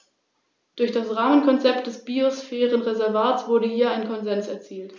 Landkreise, Kommunen, Vereine, Verbände, Fachbehörden, die Privatwirtschaft und die Verbraucher sollen hierzu ihren bestmöglichen Beitrag leisten.